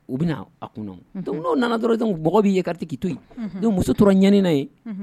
U bɛ a kun dɔnkuc n' nana dɔrɔnjan mɔgɔ b'i ye gariki to yen don muso tora ɲani na ye